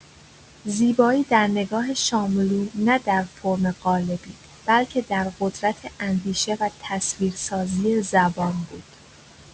زیبایی در نگاه شاملو نه در فرم قالبی بلکه در قدرت اندیشه و تصویرسازی زبان بود.